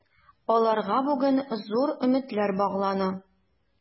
Аларга бүген зур өметләр баглана.